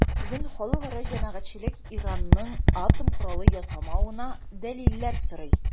Бүген халыкара җәмәгатьчелек Иранның атом коралы ясамавына дәлилләр сорый.